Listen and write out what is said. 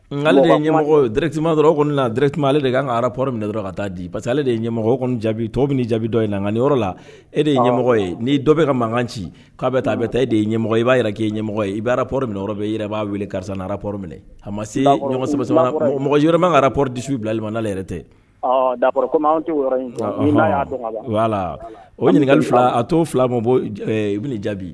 Ale de yemɔgɔɛrɛtima dɔrɔn na dɛrɛtima ale de ka kan kara pɔ minna na dɔrɔn ka taa di parceseke ale de ye ɲɛmɔgɔ jaabi tɔw bɛ jaabidɔ ye na nka yɔrɔ la e de ye ɲɛmɔgɔ ye ni dɔ bɛ ka makan ci k'a bɛ taa bɛ taa e de ɲɛmɔgɔ b'a yɛrɛ k'emɔgɔ ye i bɛra pɔ minɛ yɔrɔ i yɛrɛ b'a weele karisara p minɛ ha ma se mɔgɔyma kara p disu bilali' yɛrɛ tɛ o ɲininkali fila a to fila ma u bɛ jaabi